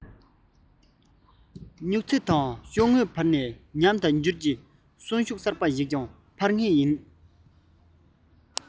སྨྱུག རྩེ དང ཤོག ངོས བར ནས ཉམས དང འགྱུར གྱི གསོན ཤུགས གསར པ ཞིག ཀྱང འཕར ངེས ཡིན